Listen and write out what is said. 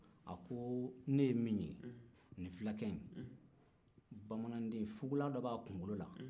a ko ne ye min ye nin fulakɛ in fugulan dɔ b'a kunkolo la